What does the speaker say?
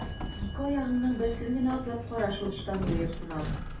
Ике аягыңның берсен генә атлап кара шул штанга йортына!